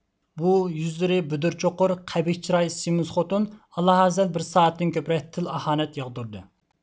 بۇ يۈزلىرى بۈدۈر چوقۇر قەبىھ چىراي سېمىز خوتۇن ئالاھازەل بىر سائەتتىن كۆپرەك تىل ئاھانەت ياغدۇردى